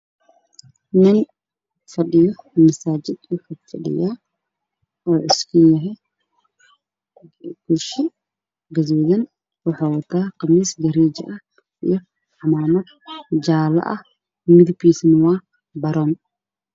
waa nin khamiis cad iyo cimaamad wato